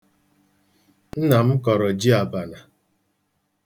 Nna m kọrọ ji abana.